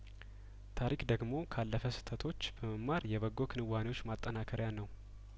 ታሪክ ደግሞ ካለፈ ስህተቶች በመማር የበጐ ክንዋኔዎች ማጠናከሪያ ነው